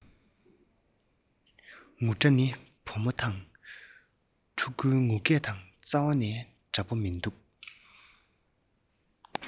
ངུ སྒྲ ནི བུ མོ དང ཕྲུ གུའི ངུ སྒྲ དང རྩ བ ནས འདྲ པོ མི འདུག